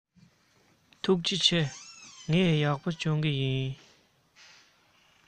ཐུགས རྗེ ཆེ ངས ཡག པོ སྦྱོང གི ཡིན